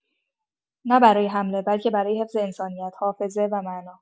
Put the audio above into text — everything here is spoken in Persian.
نه برای حمله، بلکه برای حفظ انسانیت، حافظه و معنا.